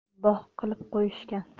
bog' qilib qo'yishgan